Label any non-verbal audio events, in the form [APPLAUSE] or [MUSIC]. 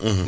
[HESITATION] [HESITATION]